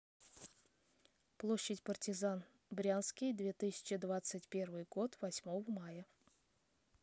площадь партизан брянский две тысячи двадцать первый год восьмого мая